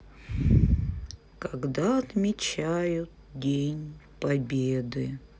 когда отмечают день победы